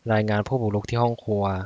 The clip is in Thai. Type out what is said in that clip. รายงานผู้บุกรุกที่ห้องครัว